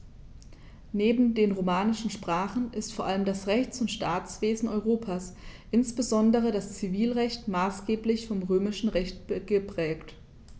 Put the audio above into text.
Neben den romanischen Sprachen ist vor allem das Rechts- und Staatswesen Europas, insbesondere das Zivilrecht, maßgeblich vom Römischen Recht geprägt.